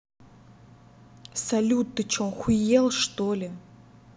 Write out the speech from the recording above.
салют ты че охуел что ли